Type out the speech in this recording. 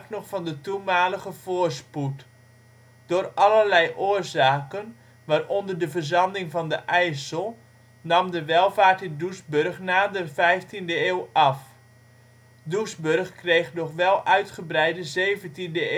nog van de toenmalige voorspoed. Door allerlei oorzaken, waaronder de verzanding van de IJssel, nam de welvaart in Doesburg na de 15e eeuw af. Doesburg kreeg nog wel uitgebreide 17e eeuwse